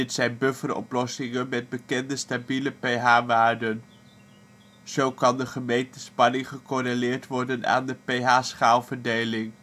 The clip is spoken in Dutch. zijn buffer-oplossingen met bekende stabiele pH-waarde. Zo kan de gemeten spanning gecorreleerd worden met de pH-schaalverdeling